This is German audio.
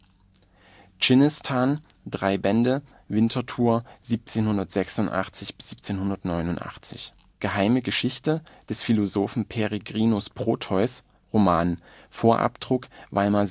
Dschinnistan (3 Bände, Winterthur 1786 - 1789) Geheime Geschichte des Philosophen Peregrinus Proteus, Roman (Vorabdruck: Weimar